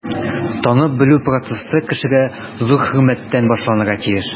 Танып-белү процессы кешегә зур хөрмәттән башланырга тиеш.